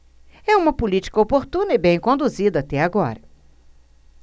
é uma política oportuna e bem conduzida até agora